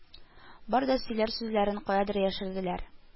Бар да сөйләр сүзләрен каядыр яшерделәр